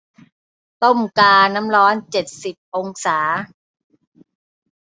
ต้มกาน้ำร้อนเจ็ดสิบองศา